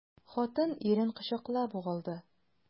Хатын ирен кочаклап ук алды.